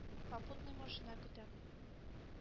”попутный“ машина көтәм.